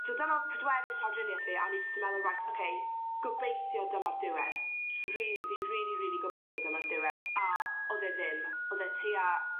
so dyna o'dd pedwerydd llawdrinieth fi a o'n i jyst yn meddwl reit oce gobeithio dyma'r diwedd rili fi rili rili gobeithio dyma'r diwedd a o'dd e ddim o'dd e tua